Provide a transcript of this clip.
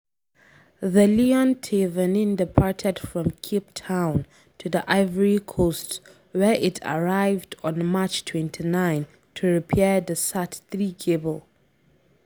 The Leon Thevenin departed from Cape Town to the Ivory Coast, where it arrived on March 29 to repair the SAT-3 cable.